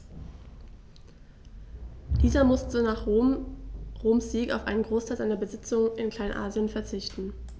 Dieser musste nach Roms Sieg auf einen Großteil seiner Besitzungen in Kleinasien verzichten.